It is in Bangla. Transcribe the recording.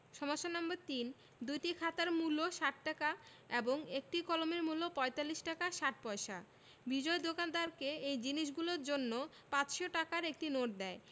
সমস্যা নম্বর ৩ দুইটি খাতার মূল্য ৬০ টাকা এবং একটি কলমের মূল্য ৪৫ টাকা ৬০ পয়সা বিজয় দোকানদারকে এই জিনিসগুলোর জন্য ৫০০ টাকার একটি নোট দেয়